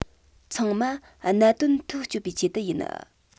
ཚང མ གནད དོན ཐག གཅོད པའི ཆེད དུ ཡིན